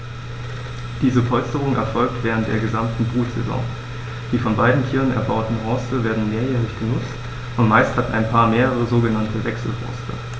Diese Polsterung erfolgt während der gesamten Brutsaison. Die von beiden Tieren erbauten Horste werden mehrjährig benutzt, und meist hat ein Paar mehrere sogenannte Wechselhorste.